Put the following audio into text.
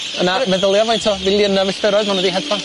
Yna meddylia faint o filiynau fillyroedd maen nhw di hedfa?